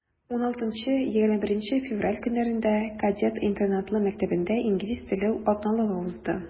16-21 февраль көннәрендә кадет интернатлы мәктәбендә инглиз теле атналыгы узды.